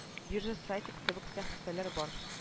Биржа сайтов кебек сәхифәләр бар